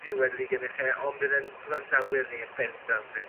glywed yr ugen uche on' bydd 'en grandawyr ni yn bendant ddim.